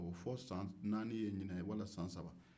o fɔ san naani ye nin ye wala san saba